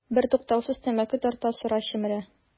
Бертуктаусыз тәмәке тарта, сыра чөмерә.